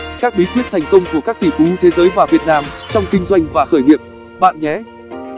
các bí quyết thành công của các tỷ phú thế giới và việt nam trong kinh doanh và khởi nghiệp bạn nhé